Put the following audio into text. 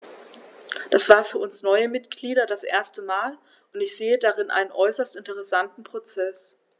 Das war für uns neue Mitglieder das erste Mal, und ich sehe darin einen äußerst interessanten Prozess.